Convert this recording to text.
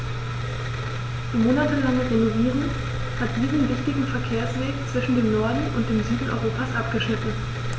Die monatelange Renovierung hat diesen wichtigen Verkehrsweg zwischen dem Norden und dem Süden Europas abgeschnitten.